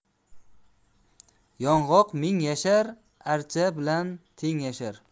yong'oq ming yashar archa bilan teng yashar